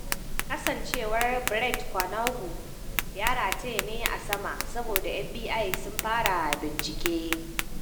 Kasancewar Brett Kavanaugh ya rataya ne a sama, saboda FBI sun fara bincike